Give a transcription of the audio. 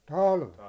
talvella